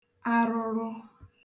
arụrụ